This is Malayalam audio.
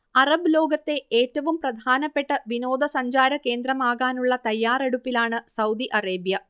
അറബ് ലോകത്തെ ഏറ്റവും പ്രധാനപ്പെട്ട വിനോദ സഞ്ചാര കേന്ദ്രമാകാനുള്ള തയാറെടുപ്പിലാണ് സൗദി അറേബ്യ